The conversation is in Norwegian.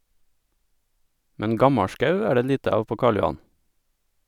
- Men gammalskau er det lite av på Karl Johan?